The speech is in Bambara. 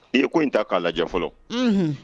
I ye ko in ta k'a lajɛjɛ fɔlɔ